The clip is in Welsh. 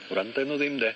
Wrandau nw ddim de.